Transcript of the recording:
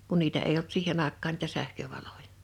kun niitä ei ollut siihen aikaan niitä sähkövaloja